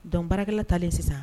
Don baarakɛla talen sisan